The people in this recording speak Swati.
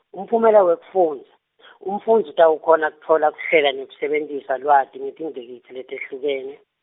umphumela wekufundza , umfundzi uta uyakhona kutfola kuhlela nekusebentisa lwati ngetingcikitsi letehlukene.